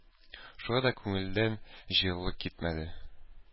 Шулай да күңелдән җылылык китмәде.